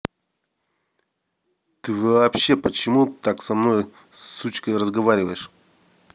ты вообще почему так со мной с сучкой разговариваешь